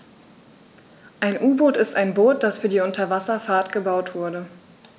Ein U-Boot ist ein Boot, das für die Unterwasserfahrt gebaut wurde.